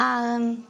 A yym.